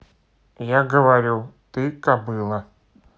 я говорю ты кобыла